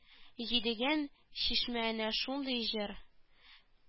Җидегән чишмә әнә шундый җыр